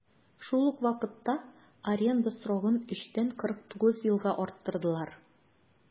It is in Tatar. Шул ук вакытта аренда срогын 3 тән 49 елга арттырдылар.